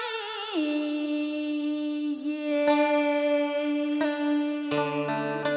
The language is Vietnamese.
mong và chẳng muốn quay